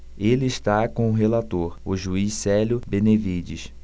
ele está com o relator o juiz célio benevides